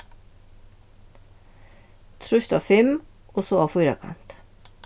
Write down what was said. trýst á fimm og so á fýrakant